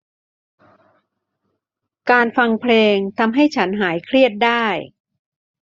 การฟังเพลงทำให้ฉันหายเครียดได้